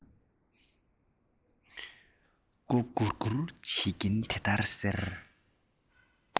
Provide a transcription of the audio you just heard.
མགོ སྒུར སྒུར བྱེད ཀྱིན དེ ལྟར ཟེར